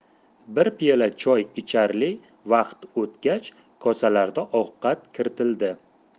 bir piyola choy icharli vaqt o'tgach kosalarda ovqat kiritildi